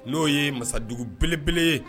N'o ye masadugu belebele ye